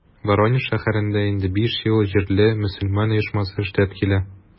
Воронеж шәһәрендә инде биш ел җирле мөселман оешмасы эшләп килә.